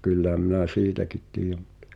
kyllähän minä siitäkin tiedän mutta